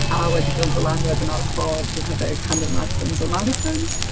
A wedi bildo lan wedyn ar y ffordd i rhedeg hanner marathons a marathons.